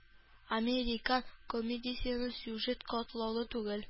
«американ» комедиясенең сюжеты катлаулы түгел.